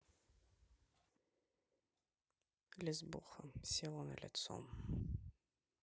лезбуха села на лицо